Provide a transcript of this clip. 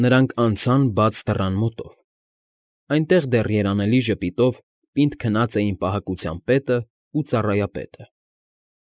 Նրանք անցան բաց դռան մոտով. այնտեղ դեռ երանելի ժպիտով պինդ քնած էին պահակության պետն ու ծառայապետը։